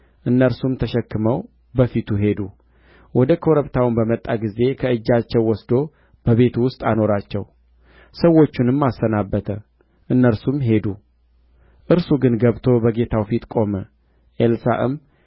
ንዕማንም ሁለት መክሊት ትወስድ ዘንድ ይፈቀድልህ አለ ግድ አለውም ሁለቱንም መክሊት ብር በሁለት ከረጢት ውስጥ አሰረና ከሁለት መለወጫ ልብስ ጋር ለሁለት ሎሌዎቹ አስያዘ